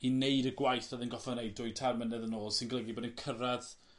i neud y gwaith odd e'n gorffo neud dwy tair mlynedd yn ôl sy'n golygu bod e'n cyrradd